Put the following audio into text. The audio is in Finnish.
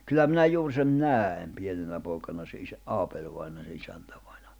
kyllä minä juuri sen näin pienenä poikana sen - Aapeli-vainajan se isäntävainajan